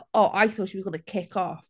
"Oh, I thought she was going to kick off."